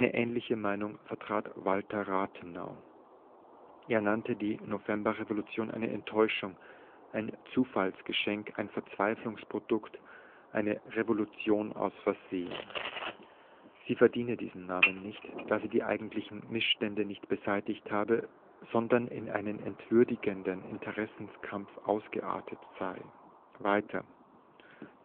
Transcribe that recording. ähnliche Meinung vertrat Walter Rathenau. Er nannte die Novemberrevolution eine „ Enttäuschung “, ein „ Zufallsgeschenk “, ein „ Verzweiflungsprodukt “, eine „ Revolution aus Versehen “. Sie verdiene diesen Namen nicht, da sie „ die eigentlichen Missstände nicht beseitigt “habe, sondern „ in einen entwürdigenden Interessenkampf ausgeartet “sei. Weiter: „ Nicht